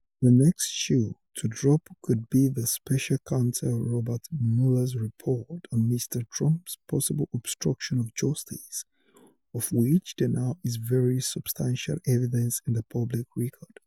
The next shoe to drop could be the special counsel Robert Mueller's report on Mr. Trump's possible obstruction of justice, of which there now is very substantial evidence in the public record.